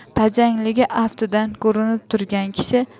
tajangligi aftidan ko'rinib turgan kishi